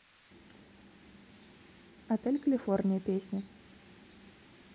отель калифорния песня